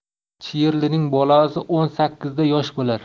chiyirlining bolasi o'n sakkizda yosh bo'lar